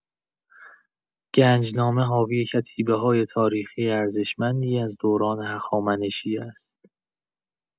گنجنامه حاوی کتیبه‌های تاریخی ارزشمندی از دوران هخامنشی است.